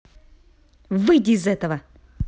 выйди из этого